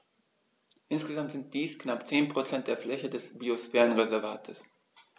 Insgesamt sind dies knapp 10 % der Fläche des Biosphärenreservates.